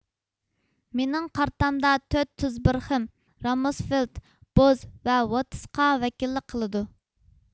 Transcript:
مېنىڭ قارتامدا تۆت تۇز بىرخېم رامۇسفېلد بوز ۋە ۋوتىسقا ۋەكىللىك قىلىدۇ